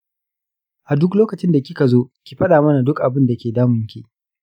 a duk lokacin da kika zo, ki faɗa mana duk abin da ke damunki.